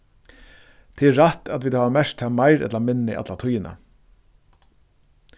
tað er rætt at vit hava merkt tað meir ella minni alla tíðina